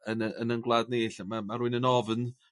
yn yy yn 'yn gwlad ni lly ma' ma' rywun yn ofn